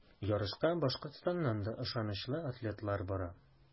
Ярышка Башкортстаннан да ышанычлы атлетлар бара.